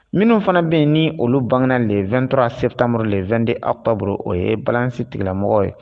Minnu fana bɛ yen ni olu bangegana de2ttɔ se tanmmururi de2de aw kabburu o ye balasi tigɛlamɔgɔ ye